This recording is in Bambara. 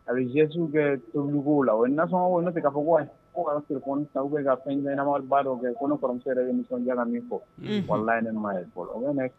A bɛ zsiww kɛunbugu la wa nasɔn ne se k' fɔ ko ko siri bɛ ka fɛn ɲɛnama ba dɔw kɛ kɔnɔ farakisɛ yɛrɛ nisɔndiyala min fɔ wala yema ye